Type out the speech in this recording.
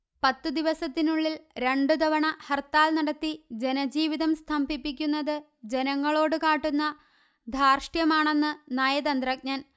പത്തുദിവസത്തിനുള്ളിൽ രണ്ടുതവണ ഹർത്താൽ നടത്തി ജനജീവിതം സ്തംഭിപ്പിക്കുന്നത് ജനങ്ങളോട് കാട്ടുന്ന ധാർഷ്ട്യമാണെന്ന് നയതന്ത്രജ്ഞൻ